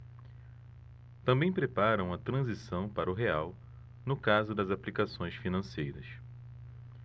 também preparam a transição para o real no caso das aplicações financeiras